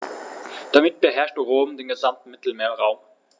Damit beherrschte Rom den gesamten Mittelmeerraum.